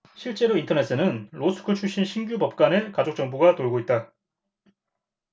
실제로 인터넷에는 로스쿨 출신 신규 법관의 가족 정보가 돌고 있다